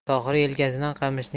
tohir yelkasidan qamishni